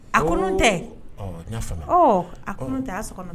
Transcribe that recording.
A ko tɛ a ko tɛ